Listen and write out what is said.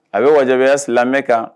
A bɛ wajabaya silamɛmɛ kan